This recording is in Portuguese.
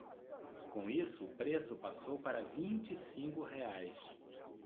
com isso o preço passou para vinte e cinco reais